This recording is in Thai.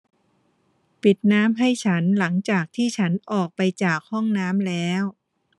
ปิดน้ำให้ฉันหลังจากที่ฉันออกไปจากห้องน้ำแล้ว